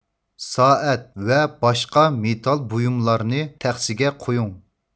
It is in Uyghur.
سائەت ۋە باشقا مېتال بويۇملارنى تەخسىگە قويۇڭ